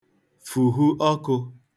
fùhù ọkụ